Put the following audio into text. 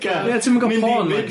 Ia ti'm yn ga'l porn magazines na?